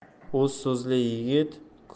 o'z so'zli yigit